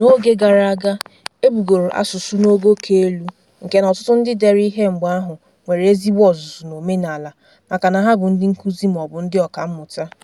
N'oge gara aga, e bugoro asụsụ n'ogo ka elu nke na ọtụtụ ndị dere ihe mgbe ahụ nwere ezigbo ọzụzụ n'omenaala maka na ha bụ ndị nkuzi maọbụ ndị ọkammụta.